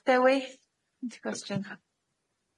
Dewi, sginti gwestiwn?